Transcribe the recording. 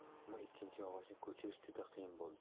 ammo ikkinchi yog'ochni ko'chirish juda qiyin bo'ldi